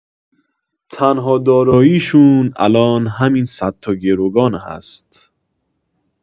تنها دارایی‌شون الان همین صد تا گروگان هست.